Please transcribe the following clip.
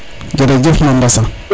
jeref Mame Mbasa